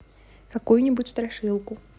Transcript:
какую нибудь страшилку